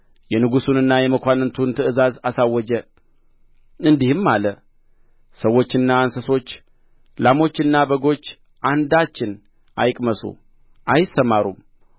የንጉሡንና የመኳንንቱን ትእዛዝ አሳወጀ እንዲህም አለ ሰዎችና እንስሶች ላሞችና በጎች አንዳችን አይቅመሱ አይሰማሩም